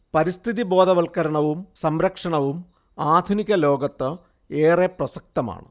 പരിസ്ഥി ബോധവൽക്കരണവും സംരക്ഷണവും ആധുനിക ലോകത്ത് ഏറെ പ്രസക്തമാണ്